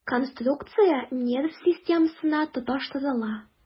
Конструкция нерв системасына тоташтырыла.